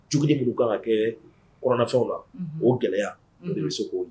J minnu kan kɛ kɔrɔnfɛnw ma o gɛlɛya olu de bɛ se k'o